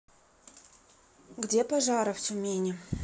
где пожара в тюмени